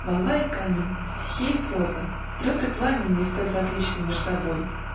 Волна и камень, Стихи и проза, лед и пламень Не столь различны меж собой.